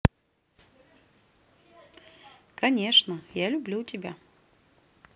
конечно я люблю тебя